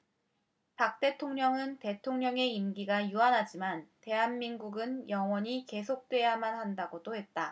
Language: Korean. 박 대통령은 대통령의 임기는 유한하지만 대한민국은 영원히 계속돼야만 한다고도 했다